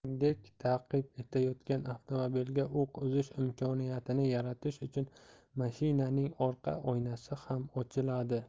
shuningdek ta'qib etayotgan avtomobilga o'q uzish imkoniyatini yaratish uchun mashinaning orqa oynasi ham ochiladi